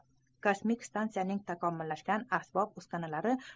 kosmik stansiyaning takomillashgan asbob uskunalari